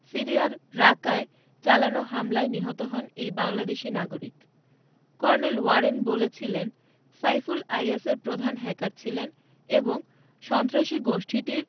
সিরিয়ার রাকায় চালানো হামলায় নিহত হন এই বাংলাদেশি নাগরিক কর্নেল ওয়ারেন বলেছিলেন সাইফুল আইএসের প্রধান হ্যাকার ছিলেন এবং সন্ত্রাসী গোষ্ঠীটির